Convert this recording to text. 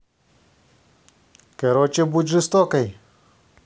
короче будь жестокой